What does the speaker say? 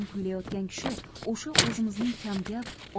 kuylayotgan kishi o'sha o'zimizning kamgap